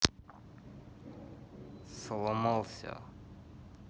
сломался